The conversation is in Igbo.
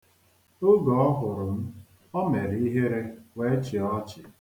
Oge o hụrụ m, o mere ihere, wee chịa ochi.